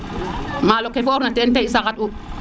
malo ke foor ina teen ten i saxad u